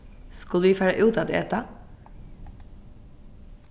skulu vit fara út at eta